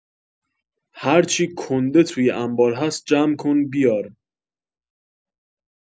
هرچی کنده توی انبار هست جمع‌کن بیار